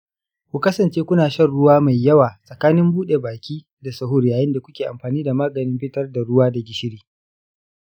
ku kasance kuna shan ruwa mai yawa tsakanin buɗe baki da sahur yayin da kuke anfani da maganin fitar da ruwa da gishiri.